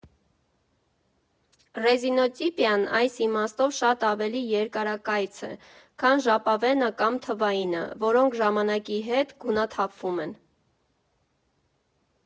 Ռեզինոտիպիան, այս իմաստով, շատ ավելի երկարակյաց է, քան ժապավենը կամ թվայինը, որոնք ժամանակի հետ գունաթափվում են»։